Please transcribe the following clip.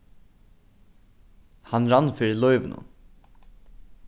hann rann fyri lívinum